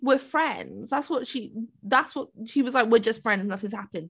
"We're friends." That's what she w- that's what she was like "we're just friends nothing's happened".